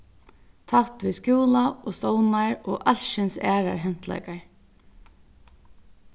tætt við skúla og stovnar og alskyns aðrar hentleikar